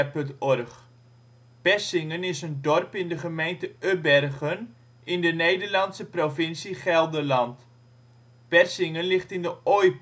OL Persingen is een dorp in de gemeente Ubbergen, in de Nederlandse provincie Gelderland. Persingen ligt in de Ooijpolder